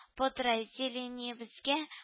Подразделениебезгә